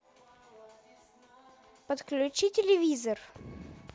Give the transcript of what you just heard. подключи телевизор